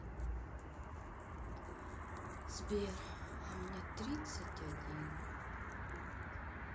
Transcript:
сбер а мне тридцать один